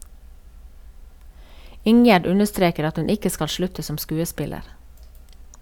Ingjerd understreker at hun ikke skal slutte som skuespiller.